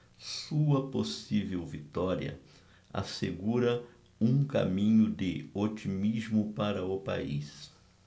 sua possível vitória assegura um caminho de otimismo para o país